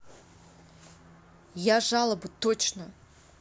я жалобу точно